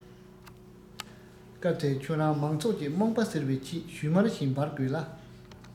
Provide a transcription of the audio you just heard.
སྐབས དེར ཁྱོད རང མང ཚོགས ཀྱི རྨོངས པ སེལ བའི ཆེད ཞུན མར བཞིན འབར དགོས ལ